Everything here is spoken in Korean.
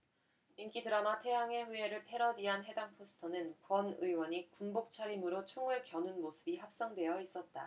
인기 드라마 태양의 후예를 패러디한 해당 포스터는 권 의원이 군복 차림으로 총을 겨눈 모습이 합성돼 있었다